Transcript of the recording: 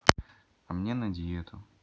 а мне на диету